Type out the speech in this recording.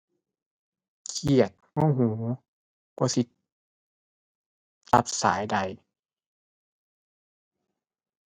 เคียด โมโห กว่าสิรับสายได้